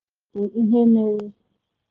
Nke ahụ bụ ihe mere.